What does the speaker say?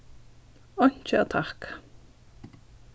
einki at takka